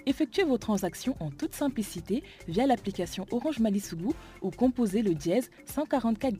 Ife cɛwsacsi o tusan psite u y'a la pcsi oumandi sugu o kunpze jɛ san ka kan kɛ